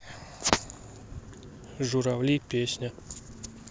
журавли песня